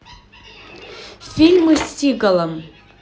фильмы с сигалом